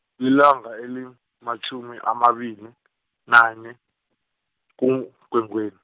lilanga elimatjhumi amabili, nanye, kuMgwengweni.